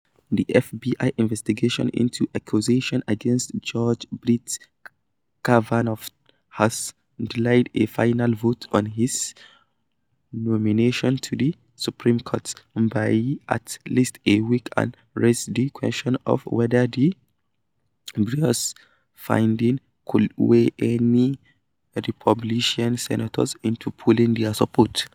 The FBI investigation into accusations against Judge Brett Kavanaugh has delayed a final vote on his nomination to the Supreme Court by at least a week, and raises the question of whether the bureau's findings could sway any Republican senators into pulling their support.